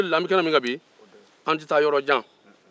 an bɛ kɛnɛ min kan bi an tɛ taa yɔrɔ jan